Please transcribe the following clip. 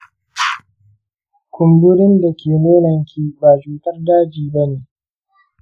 kumburin dake nononki ba cutar daji bane.